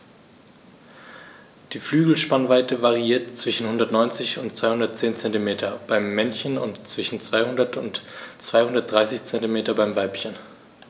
Die Flügelspannweite variiert zwischen 190 und 210 cm beim Männchen und zwischen 200 und 230 cm beim Weibchen.